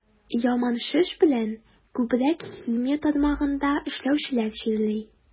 Яман шеш белән күбрәк химия тармагында эшләүчеләр чирли.